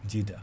jiida